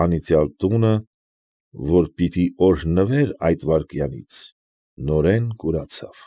Անիծյալ տունը, որ պիտի օրհնվեր այդ վայրկյանից, նորեն կուրացավ։